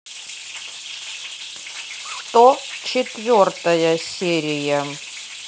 сто четвертая серия